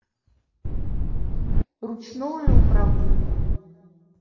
ручное управление